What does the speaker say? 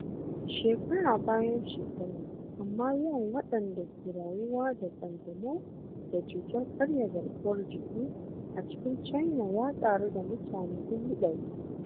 Shekara bayan shekara, amma, yawan waɗanda ke rayuwa da ƙanjamau da cutar karya garkuwar jiki a cikin China ya ƙaru da mutane 100,000.